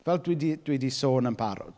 Fel dwi 'di dwi 'di sôn yn barod.